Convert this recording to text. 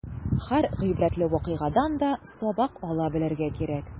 Һәр гыйбрәтле вакыйгадан да сабак ала белергә кирәк.